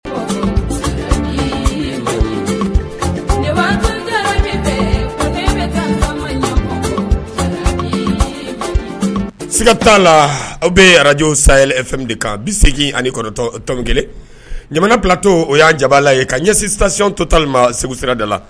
Siga t' la aw bɛ arajw saya kan bi segingin ani tan kelen ɲa ptɔ o y'a jaabi la ye ka ɲɛ sisi to ta ma segu sirada la